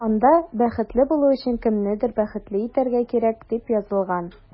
Анда “Бәхетле булу өчен кемнедер бәхетле итәргә кирәк”, дип язылган.